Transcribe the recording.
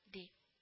Ди